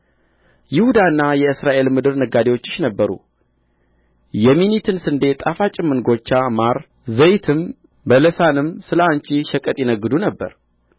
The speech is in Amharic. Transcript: ይሁዳና የእስራኤል ምድር ነጋዴዎችሽ ነበሩ የሚኒትን ስንዴ ጣፋጭም እንጐቻ ማር ዘይትም በለሳንም ስለ አንቺ ሸቀጥ ይነግዱ ነበር